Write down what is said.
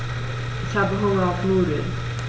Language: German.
Ich habe Hunger auf Nudeln.